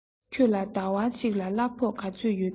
ཁྱོད ལ ཟླ བ གཅིག ལ གླ ཕོགས ག ཚོད ཡོད དམ